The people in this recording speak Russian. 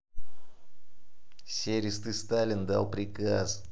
серистый сталин дал приказ